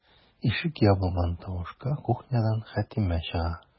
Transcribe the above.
Ишек ябылган тавышка кухнядан Хәтимә чыга.